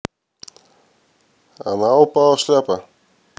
она упала шляпа